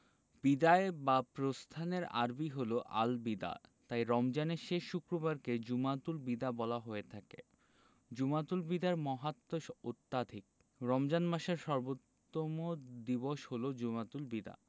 বিদায় বা প্রস্থানের আরবি হলো আল বিদা তাই রমজানের শেষ শুক্রবারকে জুমাতুল বিদা বলা হয়ে থাকে জুমাতুল বিদার মহাত্ম্য অত্যধিক রমজান মাসের সর্বোত্তম দিবস হলো জুমাতুল বিদা